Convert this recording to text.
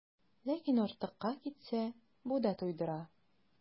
Ләкин артыкка китсә, бу да туйдыра.